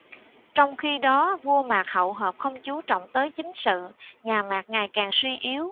trong khi đó vua mạc mậu hợp không chú trọng tới chính sự nhà mạc ngày càng suy yếu